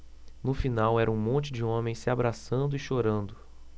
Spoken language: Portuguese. no final era um monte de homens se abraçando e chorando